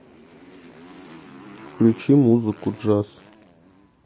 включи музыку джаз